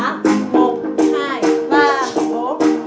một hai ba bốn